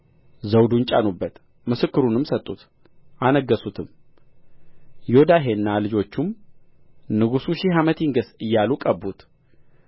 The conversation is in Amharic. ዘውዱን ጫኑበት ምስክሩንም ሰጡት አነገሡትም ዮዳሄና ልጆቹም ንጉሡ ሺህ ዓመት ይንገሥ እያሉ ቀቡት